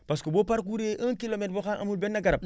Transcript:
parce que boo parcourir ree 1 kilomètre boo xam ne amul benn garab